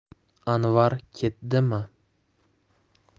anvar ketdimi